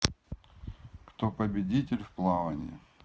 кто победитель в плавании